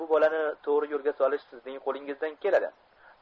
bu bolani to'g'ri yo'lga solish sizning qo'lingizdan keladi